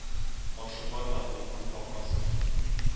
Каршы барма, дулкын какмасын“,